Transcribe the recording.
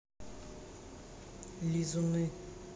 лизуны